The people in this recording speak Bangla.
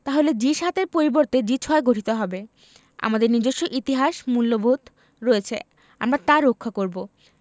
তাহলে জি ৭ এর পরিবর্তে জি ৬ গঠিত হবে আমাদের নিজস্ব ইতিহাস মূল্যবোধ রয়েছে আমরাই তা রক্ষা করব